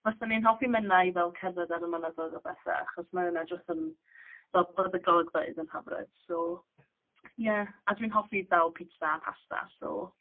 Faswn i'n hoffi mynd 'na i fel cerdded ar y mynyddoedd a bethe, achos mae'n edrych yn fel bod y golygfeydd yn hyfryd so, ie. A dwi'n hoffi fel pitsa a pasta, so...